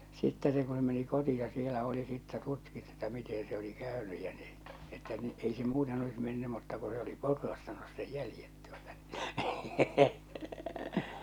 sitten se kun se meni kotiin siellä oli sitten tutkittu että miten se oli käynyt ja niin että niin ei se muuten olisi mennyt mutta kun se oli potrastanut sen jäljet tuota niin